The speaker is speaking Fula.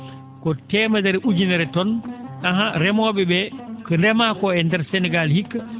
ko teemedere ujunere tonnes ahan remoo?e ?ee ko remaa koo e ndeer Sénégal hikka